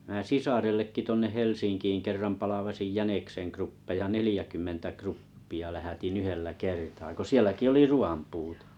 minä sisarellekin tuonne Helsinkiin kerran palvasin jäniksen kruppeja neljäkymmentä kruppia lähetin yhdellä kertaa kun sielläkin oli ruuan puute